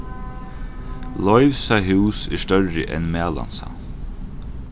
leivsa hús er størri enn malansa